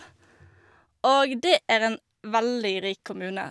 Og det er en veldig rik kommune.